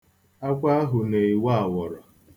Agwọ ahụ na-ewo awọrọ.